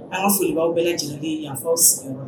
An ka folibaa bɛɛ lajɛlen ye yafa fɔ